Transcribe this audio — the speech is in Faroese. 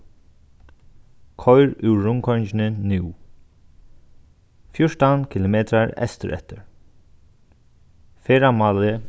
koyr úr rundkoyringini nú fjúrtan kilometrar eystureftir ferðamálið